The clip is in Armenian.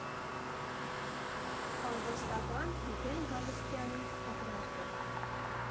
Արվեստաբան Վիգեն Գալստյանի ակնարկը։